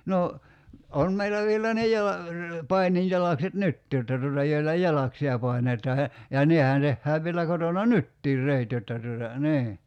no on meillä vielä ne - paininjalakset nytkin jotta tuota joilla jalaksia painetaan ja ja nehän tehdään vielä kotona nytkin reet jotta tuota niin